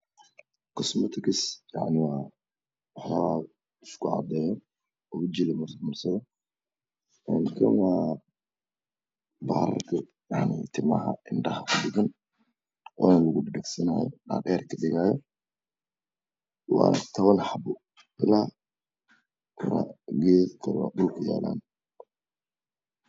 Kosmatikis waa waxa lasku cadeeyo wajiga lamarsado tomahawk indhaaha